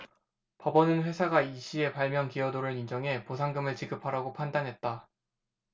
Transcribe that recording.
법원은 회사가 이씨의 발명 기여도를 인정해 보상금을 지급하라고 판단했다